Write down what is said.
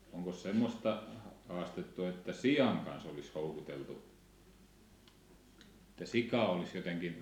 onkos semmoista haastettu että sian kanssa olisi houkuteltu että sikaa olisi jotenkin